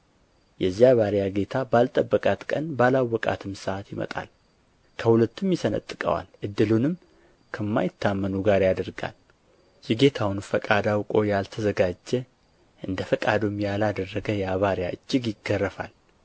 የዚያ ባሪያ ጌታ ባልጠበቃት ቀን ባላወቃትም ሰዓት ይመጣል ከሁለትም ይሰነጥቀዋል እድሉንም ከማይታመኑ ጋር ያደርጋል የጌታውንም ፈቃድ አውቆ ያልተዘጋጀ እንደ ፈቃዱም ያላደረገ ያ ባሪያ እጅግ ይገረፋል